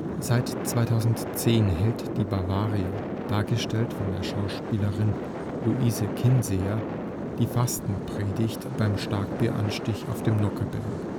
Seit 2010 hält die Bavaria, dargestellt von der Schauspielerin Luise Kinseher, die Fastenpredigt beim Starkbieranstich auf dem Nockherberg